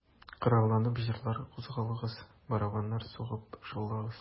Коралланып, җырлар, кузгалыгыз, Барабаннар сугып шаулагыз...